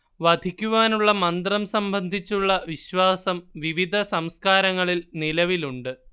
വധിക്കുവാനുള്ള മന്ത്രം സംബന്ധിച്ചുള്ള വിശ്വാസം വിവിധ സംസ്കാരങ്ങളിൽ നിലവിലുണ്ട്